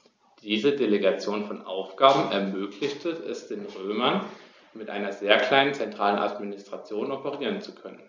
Diese Delegation von Aufgaben ermöglichte es den Römern, mit einer sehr kleinen zentralen Administration operieren zu können.